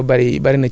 am ci phosphate